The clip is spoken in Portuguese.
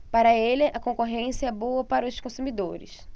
para ele a concorrência é boa para os consumidores